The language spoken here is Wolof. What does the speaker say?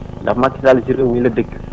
ndax Macky Sall si réew mii la dëkk